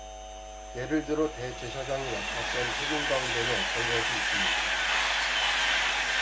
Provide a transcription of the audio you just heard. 예를 들어 대제사장이 맡았던 책임 가운데는 어떤 것이 있습니까